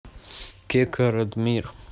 кека радмир